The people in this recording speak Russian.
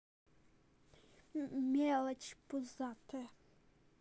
мелочь пузатая